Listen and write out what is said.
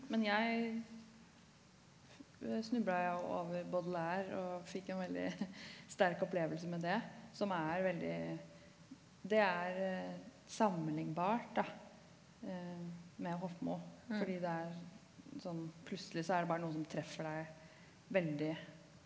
men jeg snubla jeg over Boudelaire og fikk en veldig sterk opplevelse med det som er veldig det er sammenlignbart da med Hofmo fordi det er sånn plutselig så er det bare noe som treffer deg veldig.